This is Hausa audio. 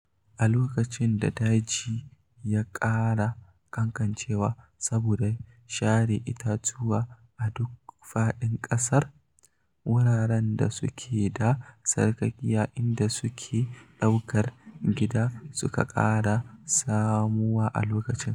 A lokacin da daji yake ƙara ƙanƙancewa saboda sare itatuwa a duk faɗin ƙasar, wuraren da suke da sarƙaƙiya inda suke ɗauka gida sukan ƙara samuwa a lokacin.